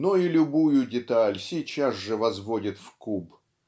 но и любую деталь сейчас же возводит в куб.